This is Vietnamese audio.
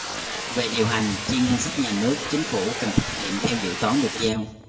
về điều hành chi ngân sách nhà nước chính phủ cần thực hiện theo dự toán được giao